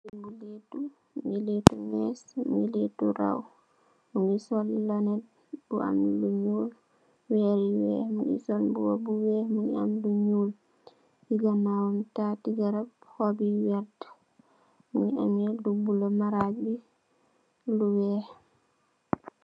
Mungy lehtu, mungy lehtu meeche, mungy lehtu raw, mungy sol lohnet bu am lu njull, wehrre yu wekh, mungy sol mbuba bu wekh, mungy am lu njull, cii ganawam am taarti garab, hohbb yu vert, mungy ameh lu bleu, marajj bii lu wekh.